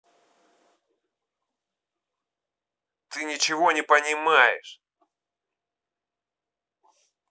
ты ничего не понимаешь